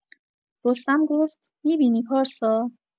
رستم گفت: «می‌بینی پارسا؟»